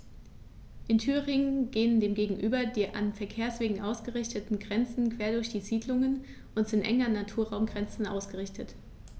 In Thüringen gehen dem gegenüber die an Verkehrswegen ausgerichteten Grenzen quer durch Siedlungen und sind eng an Naturraumgrenzen ausgerichtet.